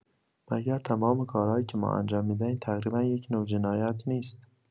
مگر تمام کارهایی که ما انجام می‌دهیم تقریبا یک نوع جنایت نیست؟